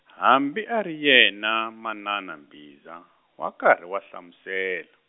hambi a ri yena manana Mbhiza, wa karhi wa hlamusela.